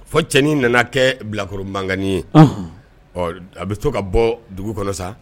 Fɔ cɛnin nana kɛɛ bilakoro maŋani ye ɔnhɔn ɔ d a be to ka bɔɔ dugu kɔnɔ sa